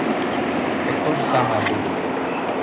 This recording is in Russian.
вот тоже самое будет